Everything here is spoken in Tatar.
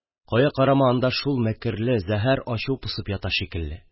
Кая карама анда шул мәкерле, зәһәр ачу посып ята шикелле.